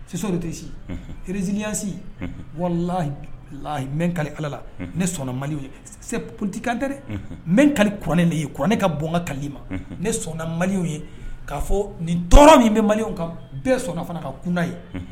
Si de tɛ si hzya si wala layi mɛn kale alala ne sɔnna mali ye sekuntikantɛ mɛ ka kuranɛ de ye kɛ ka bɔka kalili ma ne sɔnna maliw ye k' fɔ nin tɔɔrɔ min bɛ mali kan bɛɛ sɔnna fana ka kunda ye